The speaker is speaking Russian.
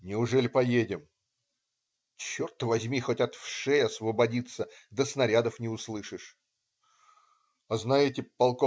"Неужели поедем?" - "Черт возьми, хоть от вшей освободиться, да снарядов не услышишь". - "А знаете? полк.